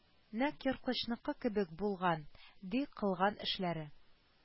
Нәкъ ерткычныкы кебек булган, ди, кылган эшләре